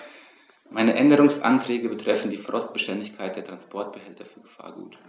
Meine Änderungsanträge betreffen die Frostbeständigkeit der Transportbehälter für Gefahrgut.